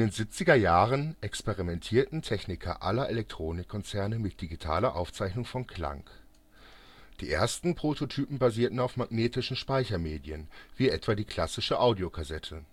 70er Jahren experimentierten Techniker aller Elektronikkonzerne mit digitaler Aufzeichnung von Klang. Die ersten Prototypen basierten auf magnetischen Speichermedien, wie etwa die klassische Audiokassette